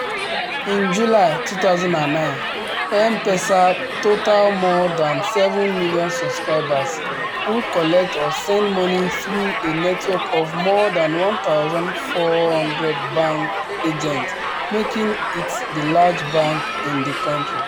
In July 2009 M-Pesa totaled more than seven million subscribers, who collect or send money through a network of more than 1400 bank agents, making it the largest bank in the country.